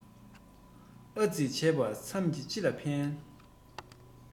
ཨ ཙི བྱས པ ཙམ གྱིས ཅི ལ ཕན